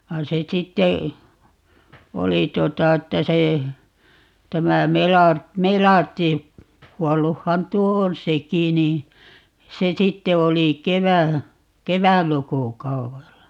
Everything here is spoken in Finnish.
vaan se sitten oli tuota että se tämä - Melartin kuolluthan tuo on sekin niin se sitten oli - kevätlukukaudella